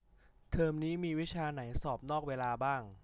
เทอมนี้มีวิชาไหนสอบนอกเวลาบ้าง